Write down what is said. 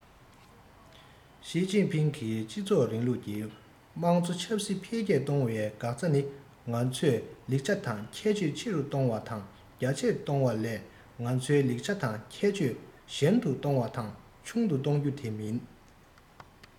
ཞིས ཅིན ཕིང གིས སྤྱི ཚོགས རིང ལུགས ཀྱི དམངས གཙོ ཆབ སྲིད འཕེལ རྒྱས གཏོང བའི འགག རྩ ནི ང ཚོའི ལེགས ཆ དང ཁྱད ཆོས ཆེ རུ གཏོང བ དང རྒྱ ཆེར གཏོང བ ལས ང ཚོའི ལེགས ཆ དང ཁྱད ཆོས ཞན དུ གཏོང བ དང ཆུང དུ གཏོང རྒྱུ དེ མིན